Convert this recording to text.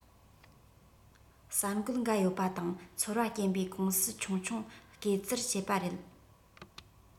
གསར གཏོད འགའ ཡོད པ དང ཚོར བ སྐྱེན པའི ཀུང སི ཆུང ཆུང སྐེ བཙིར བྱེད པ རེད